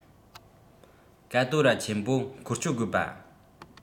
ཀ ཏོ ར ཆེན པོ འཁོ སྤྱོད དགོས པ